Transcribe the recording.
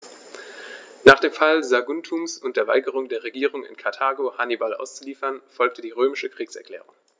Nach dem Fall Saguntums und der Weigerung der Regierung in Karthago, Hannibal auszuliefern, folgte die römische Kriegserklärung.